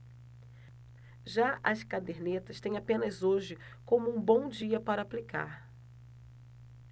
já as cadernetas têm apenas hoje como um bom dia para aplicar